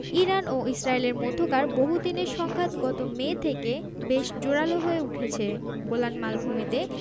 Iran ও ইসরায়েলের মধ্যকার বহুদিনের সংঘাত গত মে থেকে বেশ জোরালো হয়ে উঠেছে গোলান মালভূমিতে